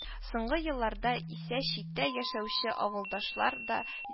Оңгы елларда исә читтә яшәүче авылдашлар да